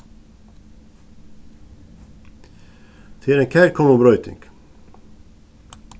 tað er ein kærkomin broyting